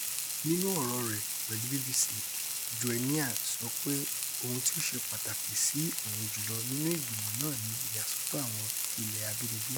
Nínú ọ̀rọ̀ọ rẹ̀ pẹ̀lú BBC, Joenia sọ pé ohun tí ó ṣe pàtàkì sí òun jùlọ nínú ìgbìmọ̀ náà ni ìyàsọ́tọ̀ àwọn ilẹ̀ abínibí: